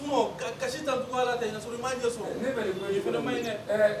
Kasi ta ala ta sɔrɔ ma ɲɛ sɔrɔ